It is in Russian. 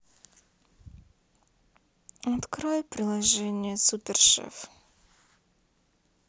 открой приложение супер шеф